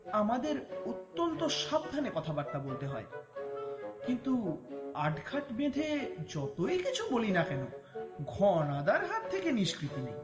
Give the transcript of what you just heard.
আমাদের অত্যন্ত সাবধানে কথাবার্তা বলতে হয় কিন্তু আটঘাট বেঁধে যতই কিছুই বলি না কেন ঘনাদার হাত থেকে নিষ্কৃতি নেই